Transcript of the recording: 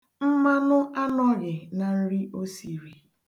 Mmanụ anọghị na nri o siri.